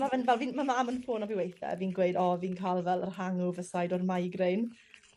ma' fe'n fel fi'n... Ma' mam yn ffono fi weithe a fi'n gweud o fi'n ca'l fel yr hangover side o'r migraine.